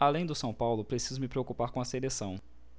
além do são paulo preciso me preocupar com a seleção